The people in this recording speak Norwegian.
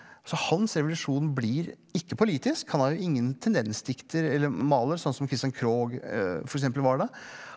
så hans revolusjon blir ikke politisk han har jo ingen tendensdikter eller maler sånn som Christian Krohg f.eks. var det.